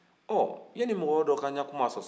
ɔ yaani mɔgɔ dɔ k'an ka kuma sɔsɔ